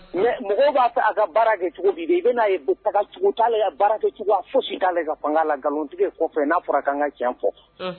Mais mɔgɔw b'a fɛ a ka baara kɛ cogodi de i ben'a ye de saga sogo t'ale la baara kɛcogoya fosi t'ale ka faŋa la galontigɛ kɔfɛ n'a fɔra k'a ŋa tiɲɛ fɔ unh